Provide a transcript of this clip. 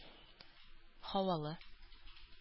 Һавалы